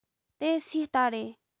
དེ སུའུ རྟ རེད